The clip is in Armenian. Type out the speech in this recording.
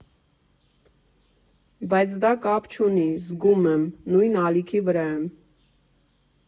Բայց դա կապ չունի, զգում եմ՝ նույն ալիքի վրա եմ։